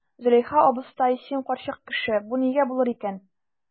Зөләйха абыстай, син карчык кеше, бу нигә булыр икән?